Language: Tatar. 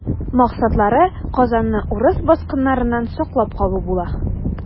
Максатлары Казанны урыс баскыннарыннан саклап калу була.